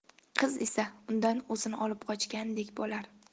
qiz esa undan o'zini olib qochgandek bo'lar